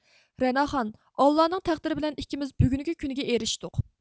رەناخان ئاللانىڭ تەقدىرى بىلەن ئىككىمىز بۈگۈنكى كۈنگە ئېرشتۇق